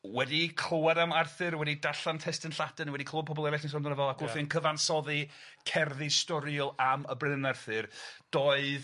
wedi clywed am Arthur, wedi darllen testun Lladin, wedi clwed pobol erill yn sôn amdano fo ac wrthi'n cyfansoddi cerddi storiol am y brenin Arthur, doedd